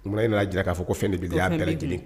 Numana in nanaa jira k'a fɔ fɛn de bɛ